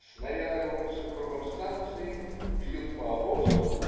Снаряды рвутся кругом станции, бьют по обозу.